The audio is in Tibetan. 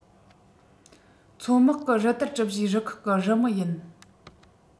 མཚོ དམག གི རུ སྟར གྲུ བཞིའི རུ ཁག གི རུ མི ཡིན